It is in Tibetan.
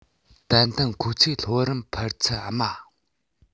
ཏན ཏན ཁོ ཚོས སློབ རིམ འཕར ཚད དམའ